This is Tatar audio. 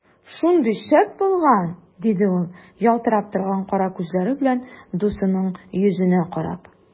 Шундый шәп булган! - диде ул ялтырап торган кара күзләре белән дусының йөзенә карап.